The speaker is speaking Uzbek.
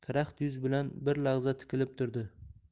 karaxt yuz bilan bir lahza tikilib turdi